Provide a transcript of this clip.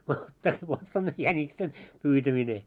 no tässä vot se on jäniksen pyytäminen